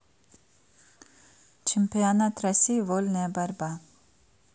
чемпионат россии вольная борьба